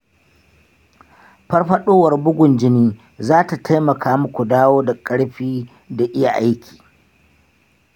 farfadowar bugun jini za ta taimaka muku dawo da ƙarfi da iya aiki.